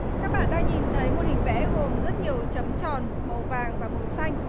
các bạn đang nhìn thấy một hình vẽ gồm rất nhiều chấm tròn màu vàng và màu xanh